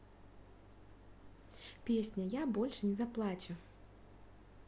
песня я больше не заплачу